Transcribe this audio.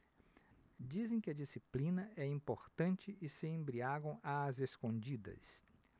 dizem que a disciplina é importante e se embriagam às escondidas